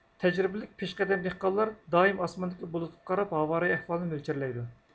تەجرىبىلىك پېشقەدەم دېھقانلار دائىم ئاسماندىكى بۇلۇتقا قاراپ ھاۋارايى ئەھۋالىنى مۆلچەرلەيدۇ